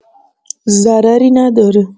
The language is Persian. ضرری نداره